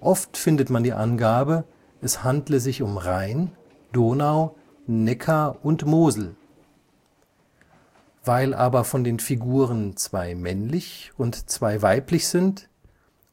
Oft findet man die Angabe, es handle sich um Rhein, Donau, Neckar und Mosel. Weil aber von den Figuren zwei männlich und zwei weiblich sind